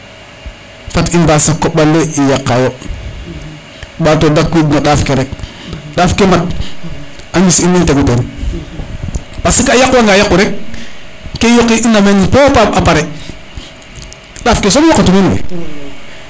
fat i mbasa a koɓale i yaqa yo mbato dakwiid no ndaaf ke rek ndaaf ke mat a ñis in i tegu ten parce que a yaq wanga yaqu rek ke i yoqiɗ ina men fopa pare ndaaf ke soom yoqatu men fe